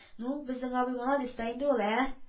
Ну, безнең абый, молодец та инде ул, әә